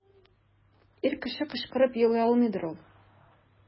Ир кеше кычкырып елый алмыйдыр ул.